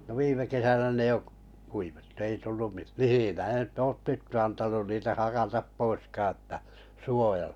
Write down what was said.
no viime kesänä ne jo kuivettui ei tullut - mihinkään nyt ei ole tyttö antanut niitä hakata poiskaan jotta -